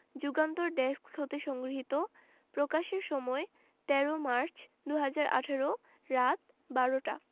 Jugantor desk হতে সংগৃহীত প্রকাশের সময় ১৩ মার্চ ২০১৮ রাত ১২০০ টা